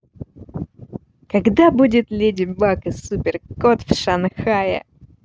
когда будет леди баг и супер кот в шанхае